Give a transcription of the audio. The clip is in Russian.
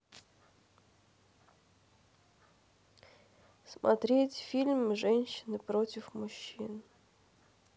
смотреть фильм женщины против мужчин